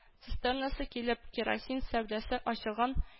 Цистернасы килеп, керосин сәүдәсе ачылган